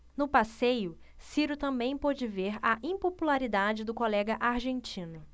no passeio ciro também pôde ver a impopularidade do colega argentino